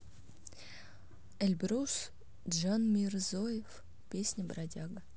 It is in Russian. эльбрус джанмирзоев песня бродяга